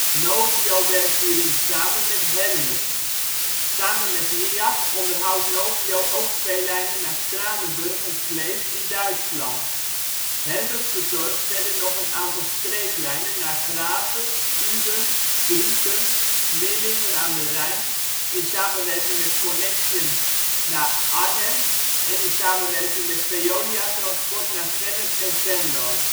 Novio werkt hierin samen met Hermes. Samen met NIAG onderhoudt Novio ook twee lijnen naar Kranenburg en Kleef in Duitsland. Hermes verzorgt verder nog een aantal streeklijnen naar Grave, Uden, Druten, Millingen aan de Rijn, in samenwerking met Connexxion naar Arnhem en in samenwerking met Veolia Transport naar Gennep en Venlo